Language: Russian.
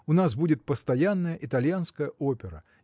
у нас будет постоянная итальянская опера